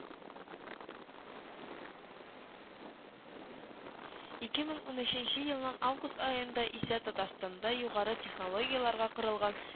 Ике мең унөченче елның август аенда исә Татарстанда югары технологияларгә корылган